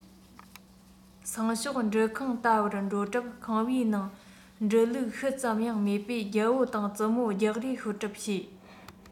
སང ཞོགས འབྲུ ཁང བལྟ བར འགྲོ སྐབས ཁང པའི ནང འབྲུ བླུགས ཤུལ ཙམ ཡང མེད པས རྒྱལ པོ དང བཙུན མོ རྒྱག རེས ཤོར གྲབས བྱས